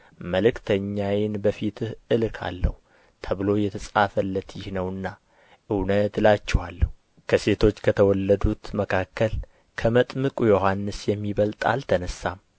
መልክተኛዬን በፊትህ እልካለሁ ተብሎ የተጻፈለት ይህ ነውና እውነት እላችኋለሁ ከሴቶች ከተወለዱት መካከል ከመጥምቁ ዮሐንስ የሚበልጥ አልተነሣም